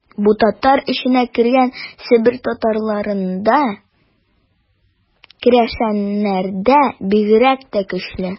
Бу татар эченә кергән Себер татарларында, керәшеннәрдә бигрәк тә көчле.